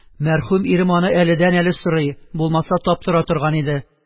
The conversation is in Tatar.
Мәрхүм ирем аны әледәнәле сорый, булмаса, таптыра торган иде